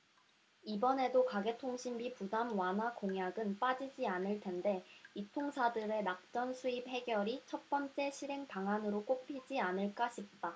이번에도 가계통신비 부담 완화 공약은 빠지지 않을텐데 이통사들의 낙전수입 해결이 첫번째 실행 방안으로 꼽히지 않을까 싶다